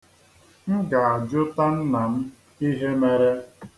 M ga-ajụta nna m ihe mere.